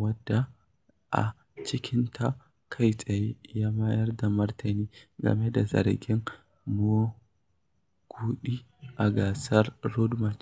wadda a cikinta kai tsaye ya mayar da martani game da zargin maguɗi a gasar Road March